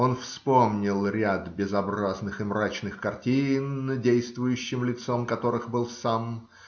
он вспомнил ряд безобразных и мрачных картин, действующим лицом которых был сам